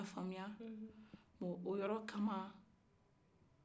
i ya famuya o yɔrɔ ka ma